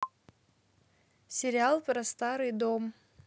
сериал про старый дом